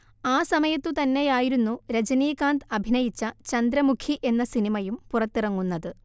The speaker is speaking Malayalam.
ആ സമയത്തു തന്നെയായിരുന്നു രജനീകാന്ത് അഭിനയിച്ച ചന്ദ്രമുഖി എന്ന സിനിമയും പുറത്തിറങ്ങുന്നത്